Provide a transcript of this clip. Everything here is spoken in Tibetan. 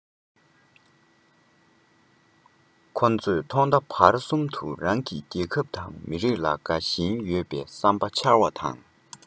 ཁོ ཚོས ཐོག མཐའ བར གསུམ དུ རང གི རྒྱལ ཁབ དང མི རིགས ལ དགའ ཞེན ཡོད པའི བསམ པ འཆང བ དང